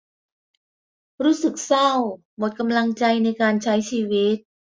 รู้สึกเศร้าหมดกำลังใจในการใช้ชีวิต